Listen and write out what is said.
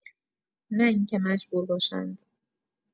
نه اینکه مجبور باشند